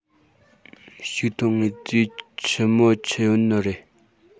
ཕྱུགས ཐོན དངོས རྫས ཆི མོ ཆི ཡོད ནི རེད